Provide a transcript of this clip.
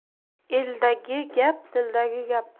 eldagi gap dildagi gap